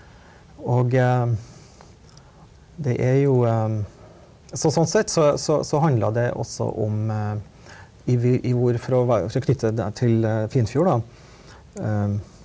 og det er jo så sånn sett så så så handler det også om i i hvor for å være for å knytte det til Finfjord da .